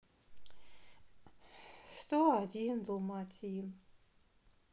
сто один долматин